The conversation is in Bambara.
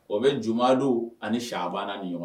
O bɛ jumadon ani sabana ni ɲɔgɔn